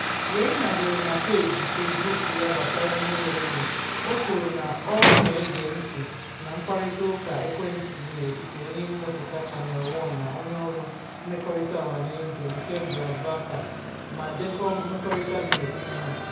Reyder dere na peeji Facebook ya gbasara ihe merenụ. O kwuru na ọ na-ege ntị na mkparịtaụka ekwentị dị n'etiti onye mmepụta Channel One na onyeọrụ mmekọrịta ọhanaeze nke BlaBlaCar ma dekọọ mkparịtaụka dị n'etiti ha: